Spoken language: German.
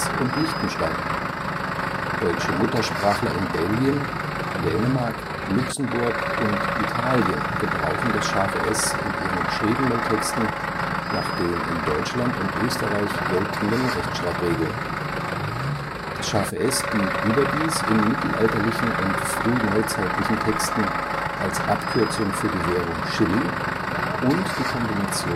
und Liechtenstein. Deutsche Muttersprachler in Belgien, Dänemark (Nordschleswig), Luxemburg und Italien (Südtirol) gebrauchen das „ ß “in ihren geschriebenen Texten nach den in Deutschland und Österreich geltenden Rechtschreibregeln. Das ß dient überdies in mittelalterlichen und frühneuzeitlichen Texten als Abkürzung für die Währung Schilling, und „ ßo